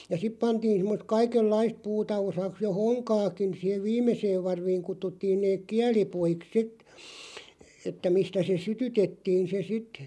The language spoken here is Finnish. ja sitten pantiin semmoista kaikenlaista puuta osaksi jo honkaakin siihen viimeiseen varviin kutsuttiin ne kielipuiksi sitten että mistä se sytytettiin se sitten